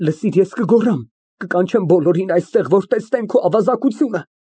Լսիր, ես կգոռամ, կկանչեմ բոլորին այստեղ, որ տեսնեն քո ավազակությունը։